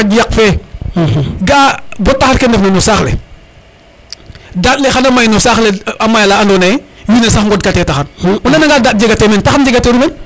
ŋaƴ yaq fe ga a bo taxar ke ndefna no saax le daad le xana may no saax le a maya la ando naye wiin we sax ŋod kate taxar o nana nga daɗ jegate meen taxar njegateru men